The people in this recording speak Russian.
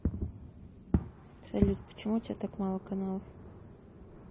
салют почему у тебя так мало каналов